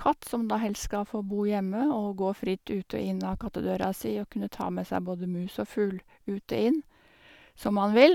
katt som da helst skal få bo hjemme og gå fritt ut og inn av kattedøra si og kunne ta med seg både mus og fugl ut og inn som han vil.